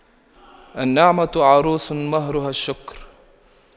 النعمة عروس مهرها الشكر